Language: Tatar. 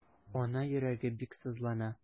Ана йөрәге бик сызлана.